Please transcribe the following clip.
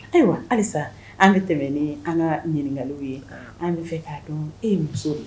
Ayiwa halisa an bɛ tɛmɛ ni an ka ɲininkakaw ye an bɛ fɛ k'a dɔn e ye muso ye